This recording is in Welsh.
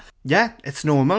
Ie it's normal.